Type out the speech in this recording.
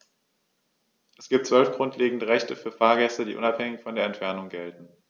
Es gibt 12 grundlegende Rechte für Fahrgäste, die unabhängig von der Entfernung gelten.